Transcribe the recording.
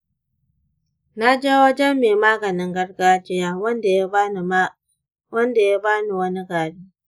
na je wajen mai maganin gargajiya wanda ya ba ni wani gari.